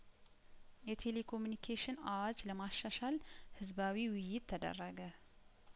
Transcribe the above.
የቴሌኮሙኒኬሽን አዋጅ ለማሻሻል ህዝባዊ ውይይት ተደረገ